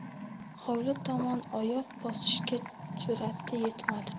hovli tomon oyoq bosishga jur'ati yetmadi